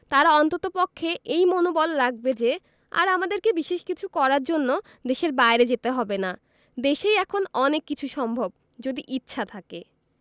তারা অন্ততপক্ষে এই মনোবল রাখবে যে আর আমাদেরকে বিশেষ কিছু করার জন্য দেশের বাইরে যেতে হবে না দেশেই এখন অনেক কিছু সম্ভব যদি ইচ্ছা থাকে